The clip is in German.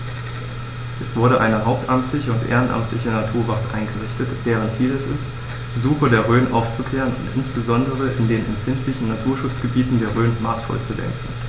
Es wurde eine hauptamtliche und ehrenamtliche Naturwacht eingerichtet, deren Ziel es ist, Besucher der Rhön aufzuklären und insbesondere in den empfindlichen Naturschutzgebieten der Rhön maßvoll zu lenken.